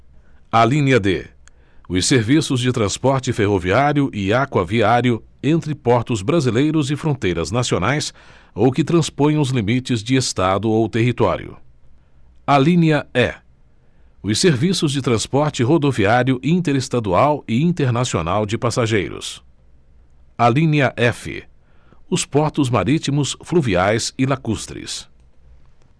alínea d os serviços de transporte ferroviário e aquaviário entre portos brasileiros e fronteiras nacionais ou que transponham os limites de estado ou território alínea e os serviços de transporte rodoviário interestadual e internacional de passageiros alínea f os portos marítimos fluviais e lacustres